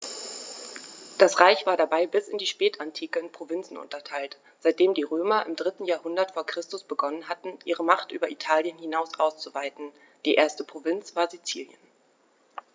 Das Reich war dabei bis in die Spätantike in Provinzen unterteilt, seitdem die Römer im 3. Jahrhundert vor Christus begonnen hatten, ihre Macht über Italien hinaus auszuweiten (die erste Provinz war Sizilien).